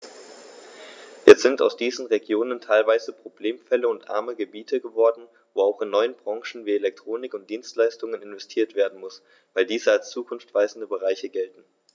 Jetzt sind aus diesen Regionen teilweise Problemfälle und arme Gebiete geworden, wo auch in neue Branchen wie Elektronik und Dienstleistungen investiert werden muss, weil diese als zukunftsweisende Bereiche gelten.